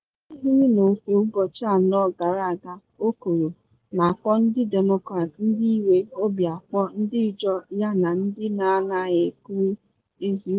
“Ma ị hụrụ n’ofe ụbọchị anọ gara aga,” o kwuru, na akpọ ndị Demokrats “ndị iwe, obi akpọ, ndị njọ yana ndị na anaghị ekwu eziokwu.’